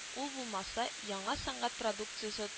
Ул булмаса, яңа сәнгать продукциясе